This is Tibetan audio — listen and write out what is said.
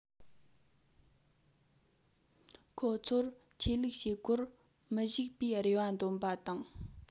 ཁོ ཚོར ཆོས ལུགས བྱེད སྒོར མི གཞུག པའི རེ བ འདོན པ དང